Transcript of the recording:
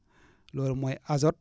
loolu mooy azote